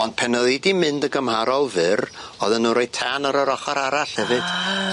Ond pen o'dd 'i di mynd y' gymharol fyr odden nw roi tân ar yr ochor arall hefyd. Ah.